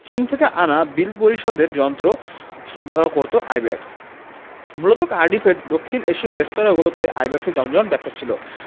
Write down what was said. চীন থেকে আনা বিল পরিশোধের যন্ত্র সরবরাহ করত আইব্যাকস মূলত কার্ডিফের দক্ষিণ এশীয় রেস্তোরাঁগুলোতে আইব্যাকসের জমজমাট ব্যবসা ছিল